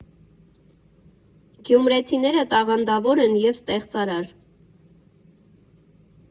Գյումրեցիները տաղանդավոր են և ստեղծարար։